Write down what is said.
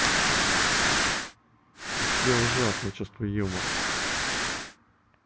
у тебя ужасное чувство юмора